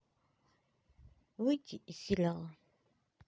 выйти из сериала